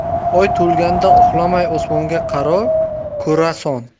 oy to'lganda uxlamay osmonga qaro ko'rason